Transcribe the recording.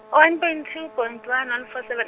one point two point one one four seven.